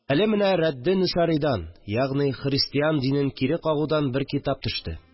Әле менә рәдде нәсаридан, ягъни христиан динен кире кагудан бер китап төште